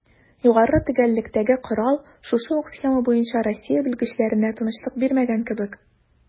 Югары төгәллектәге корал шушы ук схема буенча Россия белгечләренә тынычлык бирмәгән кебек: